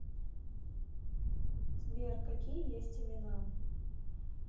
сбер какие есть имена